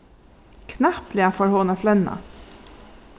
knappliga fór hon at flenna